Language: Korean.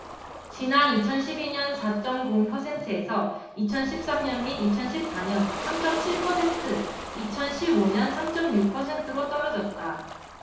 지난 이천 십 이 년 사 쩜 공 퍼센트에서 이천 십 삼 년 및 이천 십 사 년 삼 쩜 칠 퍼센트 이천 십 오 년 삼 쩜 육 퍼센트로 떨어졌다